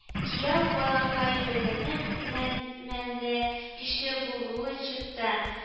Кияү балакай белеме, мән мәнле кеше булыу чыкты